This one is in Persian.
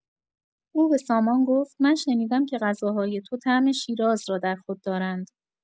او به سامان گفت: من شنیدم که غذاهای تو طعم شیراز را در خود دارند.